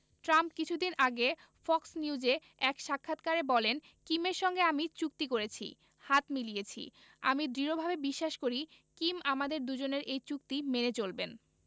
Trump কিছুদিন আগে Fox নিউজে এক সাক্ষাৎকারে বলেন কিমের সঙ্গে আমি চুক্তি করেছি হাত মিলিয়েছি আমি দৃঢ়ভাবে বিশ্বাস করি কিম আমাদের দুজনের এই চুক্তি মেনে চলবেন